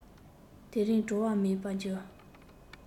དེ རིང བྲོ བ མེད པར འགྱུར